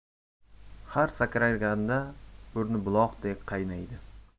har sakraganda burni buloqdek qaynaydi